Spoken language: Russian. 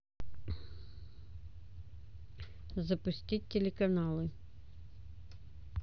запустить телеканалы